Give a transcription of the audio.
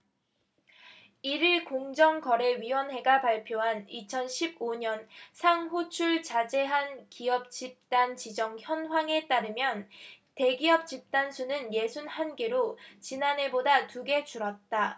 일 일 공정거래위원회가 발표한 이천 십 오 년 상호출자제한기업집단 지정현황에 따르면 대기업 집단수는 예순 한 개로 지난해보다 두 개 줄었다